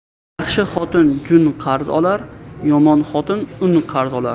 yaxshi xotin jun qarz olar yomon xotin un qarz olar